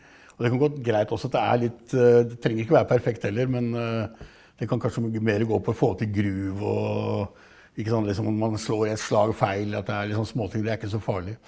og det kan gå greit også at det er litt det trenger ikke være perfekt heller, men det kan kanskje mere gå på å få til groove og ikke sant liksom at man slår ett slag feil eller at det er litt sånn småting, det er ikke så farlig.